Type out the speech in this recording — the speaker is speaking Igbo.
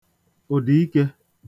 ụ̀dìike